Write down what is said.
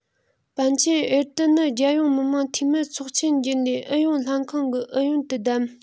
པཎ ཆེན ཨེར ཏེ ནི རྒྱལ ཡོངས མི དམངས འཐུས མི ཚོགས ཆེན རྒྱུན ལས ཨུ ཡོན ལྷན ཁང གི ཨུ ཡོན དུ བདམས